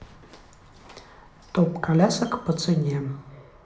топ колясок по цене